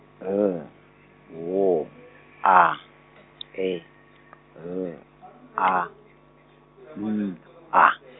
L W A E L A N A.